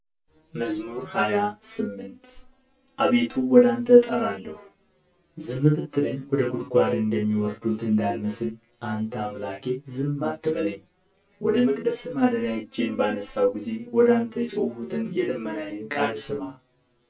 መዝሙር ሃያ ስምንት አቤቱ ወደ አንተ እጠራለሁ ዝም ብትለኝ ወደ ጓድጓድ እንደሚወርዱት እንዳልመስል አንተ አምላኬ ዝም አትበለኝ ወደ መቅደስህ ማደሪያ እጄን ባነሣሁ ጊዜ ወደ አንተ የጮኽሁትን የልመናዬን ቃል ስማ